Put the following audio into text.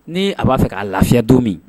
Ni a b'a fɛ k kaa lafiya don min